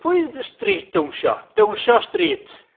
Pwy oedd dawnsio, dawnsio street?